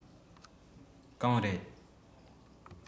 གང རེད